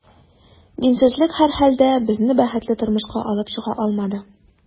Динсезлек, һәрхәлдә, безне бәхетле тормышка алып чыга алмады.